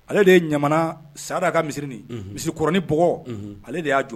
Ale de ye Ɲamanaa Saada ka misiri nin unhun misikɔrɔnin bɔkɔɔ unhun ale de y'a jɔ